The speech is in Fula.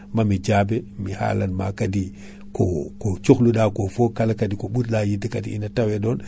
mami jaabe mi haalanma kaadi ko ko cohluɗa ko foof kala kaadi ko ɓurɗa yidde kaadi ina tawe ɗon